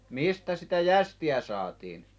mistä sitä jästiä saatiin